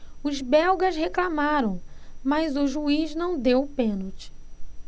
os belgas reclamaram mas o juiz não deu o pênalti